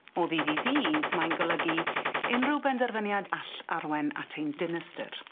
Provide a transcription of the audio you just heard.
O ddydd i ddydd, mae'n golygu unryw benderfyniad all arwain at ein dinistyr.